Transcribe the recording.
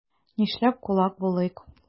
Нишләп кулак булыйк?